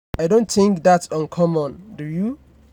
"I don't think that's uncommon, do you?"